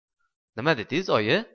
nima dediz oyi